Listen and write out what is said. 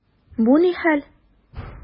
Бу ни хәл!